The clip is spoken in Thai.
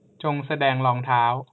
จงแสดงรองเท้า